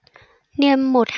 niêm một